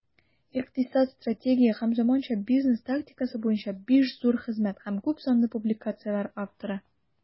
Икътисад, стратегия һәм заманча бизнес тактикасы буенча 5 зур хезмәт һәм күпсанлы публикацияләр авторы.